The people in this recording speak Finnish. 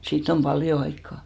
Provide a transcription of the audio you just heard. siitä on paljon aikaa